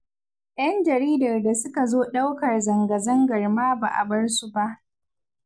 Yan jaridar da suka zo ɗaukar zangazangar ma ba a bar su ba.